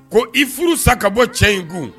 Ko i furu sa ka bɔ cɛ in kun